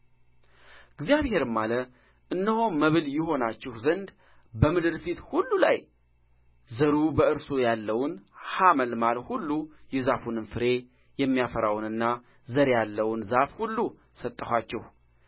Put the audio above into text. እግዚአብሔርም አለ እነሆ መብል ይሆናችሁ ዘንድ በምድር ፊት ሁሉ ላይ ዘሩ በእርሱ ያለውን ሐመልማል ሁሉ የዛፍን ፍሬ የሚያፈራውንና ዘር ያለውንም ዛፍ ሁሉ ሰጠኋችሁ